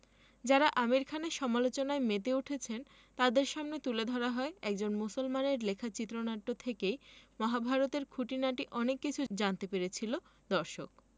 যাঁরা আমির খানের সমালোচনায় মেতে উঠেছেন তাঁদের সামনে তুলে ধরা হয় একজন মুসলমানের লেখা চিত্রনাট্য থেকেই মহাভারত এর খুঁটিনাটি অনেক কিছু জানতে পেরেছিল দর্শক